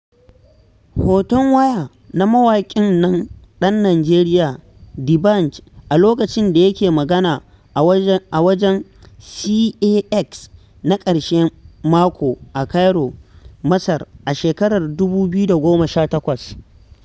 Hoton waya na mawaƙin nan ɗan Nijeriya D'banj a lokacin da yake magana a wajen CAX na ƙarshen mako a Cairo, Masar a shekarar 2018.